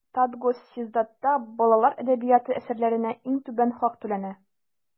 Татгосиздатта балалар әдәбияты әсәрләренә иң түбән хак түләнә.